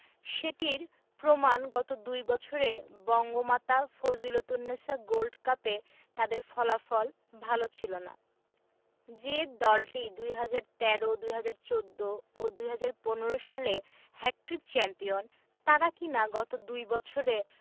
সেটির প্রমাণ গত দুই বছরে বঙ্গমাতা ফজিলতুন্নেছা গোল্ড কাপে তাদের ফলাফল ভালো ছিল না যে দলটি ২০১৩ ২০১৪ ও ২০১৫ সালে হ্যাটট্রিক চ্যাম্পিয়ন তারা কিনা গত দুই বছরে